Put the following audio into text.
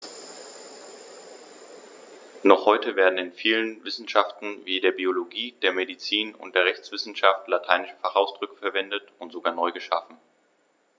Noch heute werden in vielen Wissenschaften wie der Biologie, der Medizin und der Rechtswissenschaft lateinische Fachausdrücke verwendet und sogar neu geschaffen.